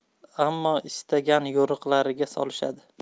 ammo istagan yo'riqlariga solishadi